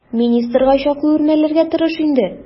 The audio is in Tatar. Министрга чаклы үрмәләргә тырыш инде.